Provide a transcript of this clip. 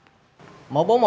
một bốn